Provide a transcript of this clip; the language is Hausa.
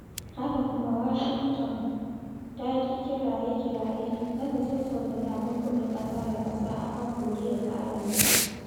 Haka kuma Washington ta ƙi kiraye-kiraye na ta sassauta takunkumin ƙasa-da-ƙasa a kan Koriya ta Arewa.